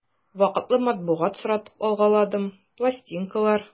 Вакытлы матбугат соратып алгаладым, пластинкалар...